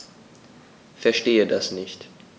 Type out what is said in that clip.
Verstehe das nicht.